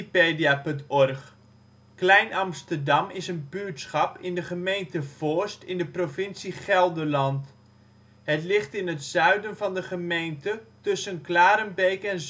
09 ' NB, 6° 05 ' OL Klein-Amsterdam Plaats in Nederland Situering Provincie Gelderland Gemeente Voorst Coördinaten 52° 9′ NB, 6° 6′ OL Portaal Nederland Beluister Ingesproken artikel (info) Klein-Amsterdam is een buurtschap in de gemeente Voorst, provincie Gelderland. Het ligt in het zuiden van de gemeente tussen Klarenbeek en